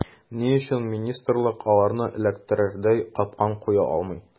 Ни өчен министрлык аларны эләктерердәй “капкан” куя алмый.